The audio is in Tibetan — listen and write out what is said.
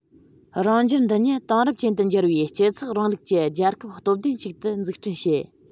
རང རྒྱལ འདི ཉིད དེང རབས ཅན དུ འགྱུར བའི སྤྱི ཚོགས རིང ལུགས ཀྱི རྒྱལ ཁབ སྟོབས ལྡན ཞིག ཏུ འཛུགས སྐྲུན བྱེད